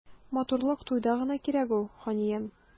Матурлык туйда гына кирәк ул, ханиям.